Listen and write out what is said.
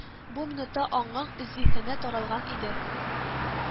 Бу минутта аңың, зиһене таралган иде